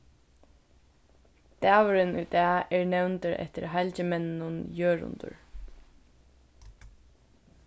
dagurin í dag er nevndur eftir halgimenninum jørundur